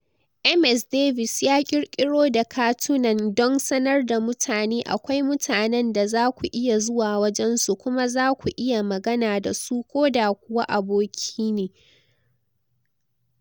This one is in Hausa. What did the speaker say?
Ms Davis ya kirkiro da katunan, "don sanar da mutane akwai mutanen da za ku iya zuwa wajen su kuma za ku iya magana da su, ko da kuwa aboki ne.